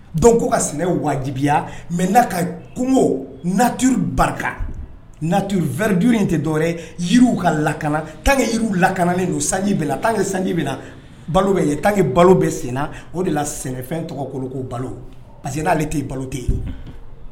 Dɔn ko ka sɛnɛ wajibiya mɛ ka ko natouru barika natuuru vri duuru in tɛ dɔwɛrɛ yiri ka lakana tan ka yiri lakanaani sanji bɛ' ka sanji bɛ balo bɛ tan kɛ balo bɛ senna o de la sɛnɛfɛn tɔgɔkolo ko balo parce que n'ale tɛ balo tɛ yen